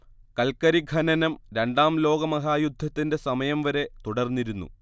കൽക്കരി ഖനനം രണ്ടാം ലോകമഹായുദ്ധത്തിന്റെ സമയം വരെ തുടർന്നിരുന്നു